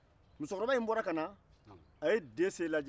musokɔrɔba in bɔra ka na a ye dɛsɛ lajɛ